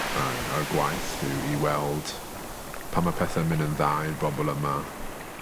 a'r a'r gwaith yw i weld pan ma' pethe'n myn' yn dda i'r bobol yma